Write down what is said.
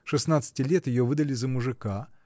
шестнадцати лет ее выдали за мужика